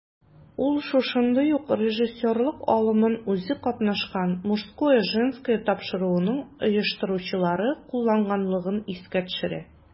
Ул шушындый ук режиссерлык алымын үзе катнашкан "Мужское/Женское" тапшыруының оештыручылары кулланганлыгын искә төшерә.